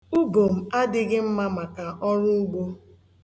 Ubom adịghị mma maka ọrụugbo.